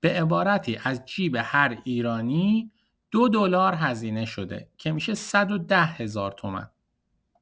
به عبارتی از جیب هر ایرانی ۲ دلار هزینه شده که می‌شه ۱۱۰ هزار تومن.